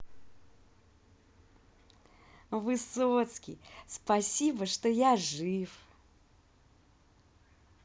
высоцкий спасибо что я жив